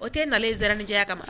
O tɛ na sirannijɛya kama